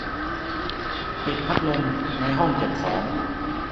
ปิดพัดลมในห้องเก็บของ